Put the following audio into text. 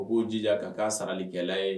U b'o jija ka' saralikɛla ye